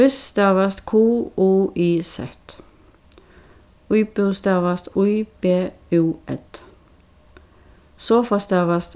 quiz stavast q u i z íbúð stavast í b ú ð sofa stavast